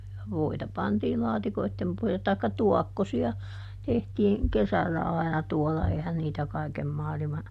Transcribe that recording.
ja voita pantiin laatikoiden pohjalle tai tuokkosia tehtiin kesällä aina tuolla eihän niitä kaiken maailma